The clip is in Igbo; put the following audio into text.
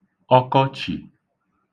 ọkọchị̀